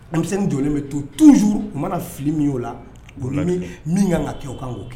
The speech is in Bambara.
Anmi don bɛ to tuonjuru u mana fili min'o la olulimami min y' kan ka kɛ kan'o kɛ